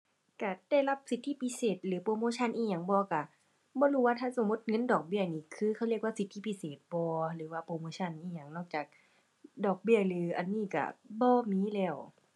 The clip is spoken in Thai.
ก็ได้รับสิทธิพิเศษหรือโปรโมชันอิหยังบ่ ก็บ่รู้ว่าถ้าสมมุติเงินดอกเบี้ยนี้คือเขาเรียกว่าสิทธิพิเศษบ่ หรือว่าโปรโมชันอิหยังนอกจากดอกเบี้ยหรืออันนี้ก็บ่มีแล้ว